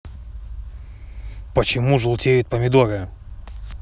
почему желтеют помидоры